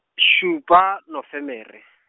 šupa Nofemere.